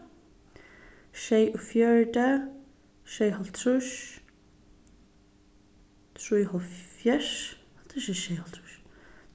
sjeyogfjøruti sjeyoghálvtrýss trýoghálvfjerðs hatta er ikki sjeyoghálvtrýss